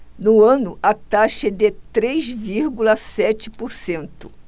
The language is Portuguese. no ano a taxa é de três vírgula sete por cento